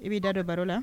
I b'i da dɔ baro la